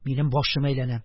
Минем башым әйләнә,